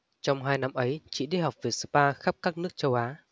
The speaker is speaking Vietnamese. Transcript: trong hai năm ấy chị đi học về spa khắp các nước châu á